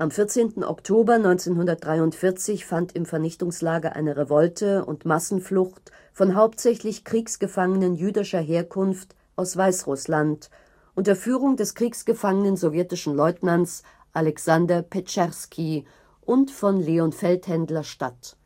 14. Oktober 1943 fand im Vernichtungslager eine Revolte und Massenflucht von hauptsächlich Kriegsgefangenen jüdischer Herkunft aus Weißrussland unter Führung des kriegsgefangenen sowjetischen Leutnants Alexander Petscherski und von Leon Feldhendler statt